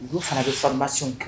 Olu fana bɛ farimasenw